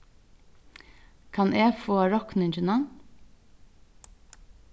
kann eg fáa rokningina